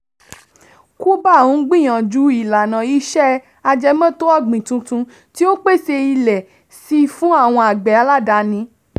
Cuba ń gbìyànjú ìlànà-ìṣe ajẹmétò-ọ̀gbìn tuntun tí ó ń pèsè ilẹ̀ síi fún àwọn àgbẹ̀ aládàáni.